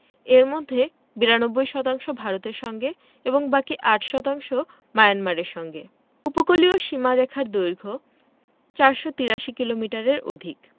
এর মধ্যে ৯২ শতাংশ ভারতের সঙ্গে এবং বাকি ৮ শতাংশ মায়ানমারের সঙ্গে উপকূলীয় সীমারেখার দৈর্ঘ্য ৪৮৩ কিলোমিটারের অধিক